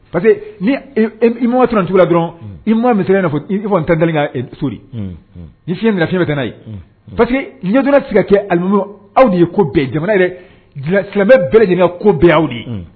Parce que mɔgɔ fana cogoya la dɔrɔn i mɔgɔ min ka sori ni fiɲɛ nafinmɛ ka ye pa que tora sigi ka kɛ a n aw de ye ko jamana ye dɛ silamɛbɛ bɛɛ de ko bɛn aw de ye